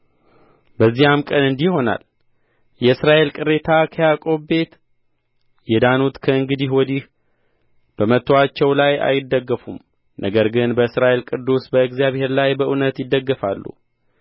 በዚያም ቀን እንዲህ ይሆናል የእስራኤል ቅሬታ ከያዕቆብም ቤት የዳኑት ከእንግዲህ ወዲህ በመቱአቸው ላይ አይደገፉም ነገር ግን በእስራኤል ቅዱስ በእግዚአብሔር ላይ በእውነት ይደገፋሉ